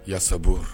Ya yaasa